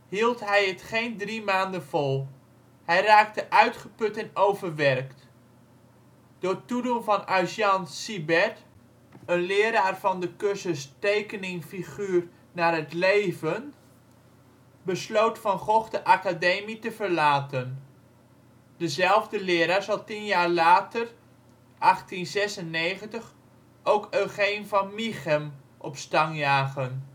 hield hij het geen drie maanden vol: hij raakte uitgeput en overwerkt. Door toedoen van Eugène Siberdt, een leraar van de cursus " Tekening figuur naar het leven ", besloot Van Gogh de academie te verlaten. Dezelfde leraar zal tien jaar later (1896) ook Eugeen Van Mieghem op stang jagen